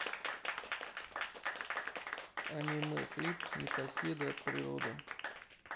аниме клип непоседы от природы